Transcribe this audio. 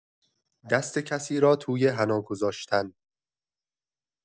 دست کسی را توی حنا گذاشتن